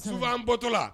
Sirifan an bɔtɔ la